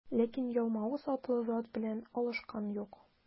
Ләкин Ялмавыз атлы зат белән алышкан юк.